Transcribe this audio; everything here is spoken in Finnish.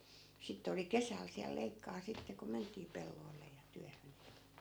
sitten oli kesällä siellä leikkaa sitten kun mentiin pelloille ja työhön